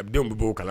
Denw b'o kala